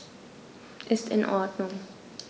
Ist in Ordnung.